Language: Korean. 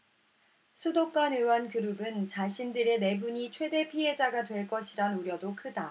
수도권 의원 그룹은 자신들이 내분의 최대 피해자가 될 것이란 우려도 크다